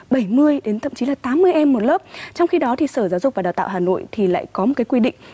bảy mươi đến thậm chí là tám mươi em một lớp trong khi đó thì sở giáo dục và đào tạo hà nội thì lại có một cái quy định